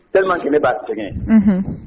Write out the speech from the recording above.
telment que ne ba sɛngɛ.